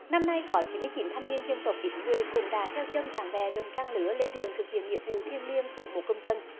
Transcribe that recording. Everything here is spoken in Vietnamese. năm nay có chín mươi chín thanh niên dân tộc ít người cũng đã theo chân bạn bè đồng trang lứa lên đường thực hiện nghĩa vụ thiêng liêng của một công dân